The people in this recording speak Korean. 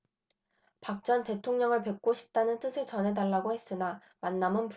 박 전 대통령을 뵙고 싶다는 뜻을 전해달라고 했으나 만남은 불발됐다